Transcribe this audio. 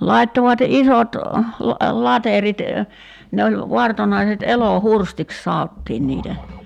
laittoivat isot laterit ne oli vartonaiset elohurstiksi sanottiin niitä